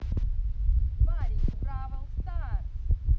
party бравл старс